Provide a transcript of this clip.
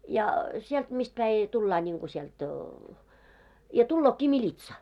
ja sieltä mistä päin tullaan niin kuin sieltä ja tuleekin militsa